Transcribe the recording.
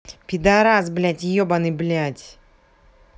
пидарас блядь ебаный блядь